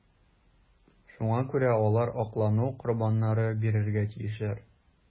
Шуңа күрә алар аклану корбаннары бирергә тиешләр.